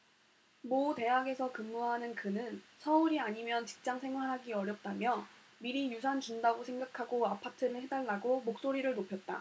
모 대학에서 근무하는 그는 서울이 아니면 직장생활하기 어렵다며 미리 유산 준다고 생각하고 아파트를 해 달라고 목소리를 높였다